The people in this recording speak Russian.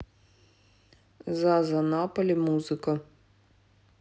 заза наполи музыка